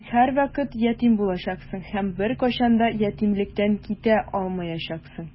Син һәрвакыт ятим булачаксың һәм беркайчан да ятимлектән китә алмаячаксың.